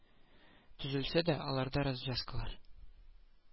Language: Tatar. Төзелсә дә, аларда развязкалар